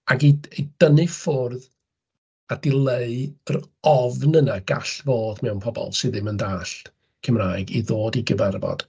Ac i i dynnu ffwrdd, a dileu yr ofn yna gall fod mewn pobl sydd ddim yn dallt Cymraeg i ddod i gyfarfod.